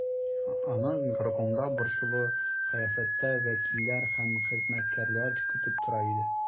Аны горкомда борчулы кыяфәттә вәкилләр һәм хезмәткәрләр көтеп тора иде.